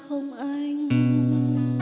không